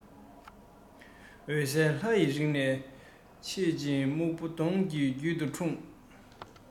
འོད གསལ ལྷ ཡི རིགས ལས མཆེད ཅིང སྨུག པོ གདོང གི རྒྱུད དུ འཁྲུངས